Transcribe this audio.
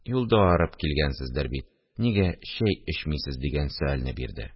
– юлда арып килгәнсездер бит, нигә чәй эчмисез? – дигән сөальне бирде